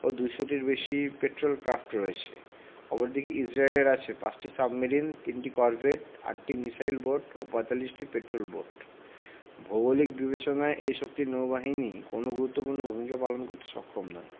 এবং ২০০ টিরও বেশি পেট্রল ক্র্যাফট আছে অপরদিকে ইসরায়েলের আছে ৫টি সাবমেরিন ৩টি করভেট ৮টি মিসাইল বোট ও ৪৫টি পেট্রল বোট ভৌগোলিক বিবেচনায় এই শক্তির নৌবাহিনী কোনো গুরুত্বপূর্ণ ভূমিকা পালন করতে সক্ষম নয়